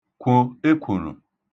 k̇wò ekwòṙò